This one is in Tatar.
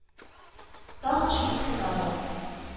Тагын шунысы да бар: